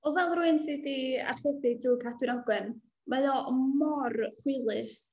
Wel fel rywun sy 'di archebu drwy Cadwyn Ogwen, mae o mor hwylus.